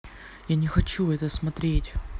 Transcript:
я не хочу это смотреть